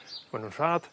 ma' nw'n rhad